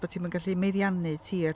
Bod ti'm yn gallu meddiannu tir.